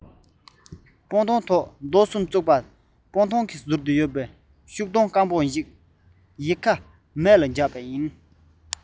སྤང ཐང ཐོག རྡོ གསུམ བཙུགས པ སྤང ཐང གི ཟུར དུ ཡོད པའི ཤུག སྡོང སྐམ པོ ཞིག གི ཡལ ག མེ ལ སྒྲོན